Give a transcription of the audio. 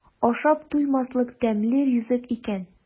Ашап туймаслык тәмле ризык икән.